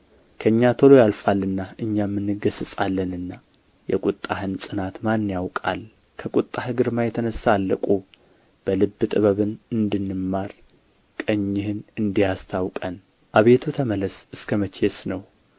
ከእኛ ቶሎ ያልፋልና እኛም እንገሠጻለንና የቍጣህን ጽናት ማን ያውቃል ከቍጣህ ግርማ የተነሣ አለቁ በልብ ጥበብን እንድንማር ቀኝህን እንዲህ አስታውቀን አቤቱ ተመለስ እስከ መቼስ ነው